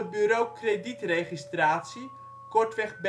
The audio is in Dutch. Bureau Krediet Registratie, kortweg